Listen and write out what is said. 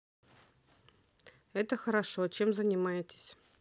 это хорошо чем занимаетесь